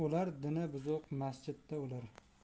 o'lar dini buzuq masjidda